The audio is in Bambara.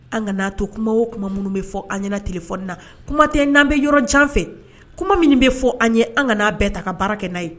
An kana n'a to kuma o tuma minnu bɛ fɔ an ɲɛna tile fɔ na kuma tɛ n'an bɛ yɔrɔ jan fɛ kuma minnu bɛ fɔ an ye an ka n'a bɛɛ ta ka baara kɛ n'a ye